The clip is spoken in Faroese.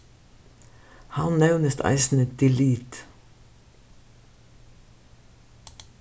hann nevnist eisini delete